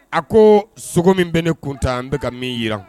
A ko sogo min bɛ ne kun tan n bi ka min jiran